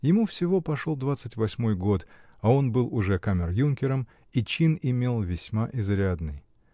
Ему всего пошел двадцать восьмой год, а он был уже камер-юнкером и чин имел весьма изрядный.